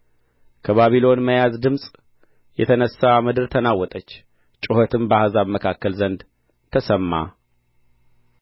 ከባቢሎን መያዝ ድምፅ የተነሣ ምድር ተናወጠች ጩኸትም በአሕዛብ መካከል ዘንድ ተሰማ